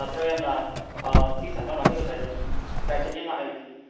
theo em là ờ di sản văn hóa phi vật thể được đại diện nhân loại